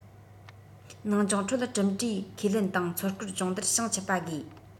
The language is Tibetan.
ནང སྦྱོང ཁྲོད གྲུབ འབྲས ཁས ལེན དང མཚོ སྐོར སྦྱོང བརྡར བྱང ཆུབ པ དགོས